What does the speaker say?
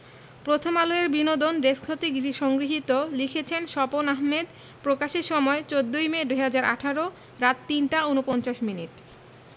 প্রথমআলো এর বিনোদন ডেস্ক হতে সংগৃহীত লিখেছেনঃ স্বপন আহমেদ প্রকাশের সময় ১৪মে ২০১৮ রাত ৩টা ৪৯ মিনিট